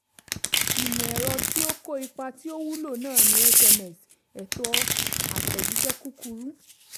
Ìmọ̀-ẹ̀rọ tí ó kò ipa tí ó wúlò náà ni SMS (Ètò Àtẹ̀jíṣẹ́ Kúkúrú).